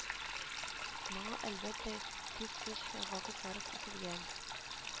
Моңа, әлбәттә, күп көч һәм вакыт сарыф ителгән